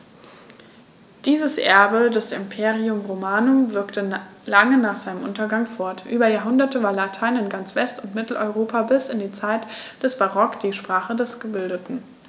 Dieses Erbe des Imperium Romanum wirkte lange nach seinem Untergang fort: Über Jahrhunderte war Latein in ganz West- und Mitteleuropa bis in die Zeit des Barock die Sprache der Gebildeten.